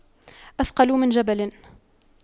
أثقل من جبل